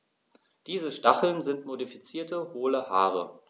Diese Stacheln sind modifizierte, hohle Haare.